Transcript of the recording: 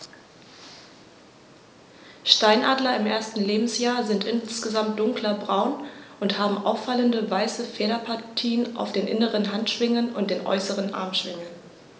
Steinadler im ersten Lebensjahr sind insgesamt dunkler braun und haben auffallende, weiße Federpartien auf den inneren Handschwingen und den äußeren Armschwingen.